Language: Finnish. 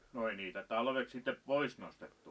no ei niitä talveksi sitten pois nostettu